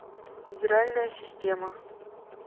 федеральная система